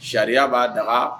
Sariya b'a dala